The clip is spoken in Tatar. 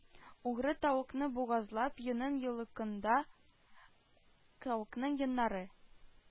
Угры тавыкны бугазлап, йонын йолыкканда тавыкның йоннары